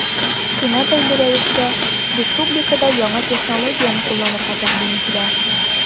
Шуңа бәйле рәвештә республикада яңа технологияне кулланырга тәкъдим ителә.